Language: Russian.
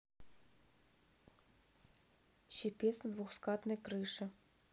щипец на двухскатной крыше